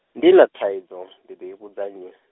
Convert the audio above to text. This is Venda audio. ndi na thaidzo , ndi ḓo i vhudza nnyi?